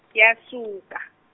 yasuka.